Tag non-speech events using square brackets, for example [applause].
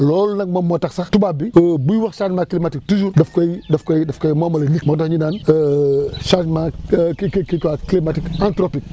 loolu nag moom moo tax sax tubaab bi [hesitation] buy wax changement climatique toujours daf koy daf koy daf koy moomale nit moo tax ñu naan [hesitation] changement [hesitation] kii kii kii quoi climatique antropique